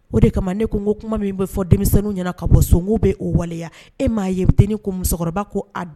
O ko ko min fɔ denmisɛnnin ɲɛna ka bɔ e m'a yet ko musokɔrɔba ko